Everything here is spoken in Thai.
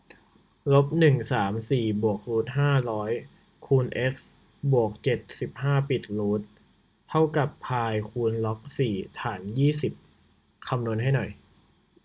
ลบหนึ่งสามสี่บวกรูทห้าร้อยคูณเอ็กซ์บวกเจ็ดสิบห้าปิดรูทเท่ากับพายคูณล็อกสี่ร้อยฐานยี่สิบ